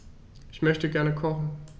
Ich möchte gerne kochen.